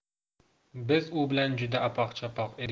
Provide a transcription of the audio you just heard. biz u bilan juda apoq chapoq edik